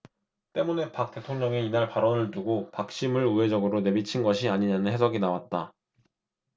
때문에 박 대통령의 이날 발언을 두고 박심 을 우회적으로 내비친 것 아니냐는 해석이 나왔다